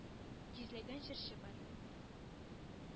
Йөзләгән җырчы бар.